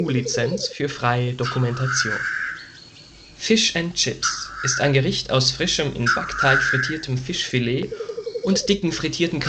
Lizenz für freie Dokumentation. Fish’ n’ Chips auf Packpapier Fish and Chips (kurz Fish’ n’ Chips) ist ein Gericht aus frischem, in Backteig frittiertem Fischfilet und dicken frittierten